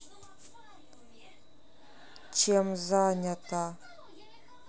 чем занята